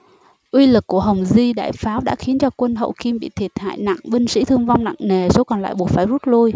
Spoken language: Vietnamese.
uy lực của hồng di đại pháo đã khiến cho quân hậu kim bị thiệt hại nặng binh sĩ thương vong nặng nề số còn lại buộc phải rút lui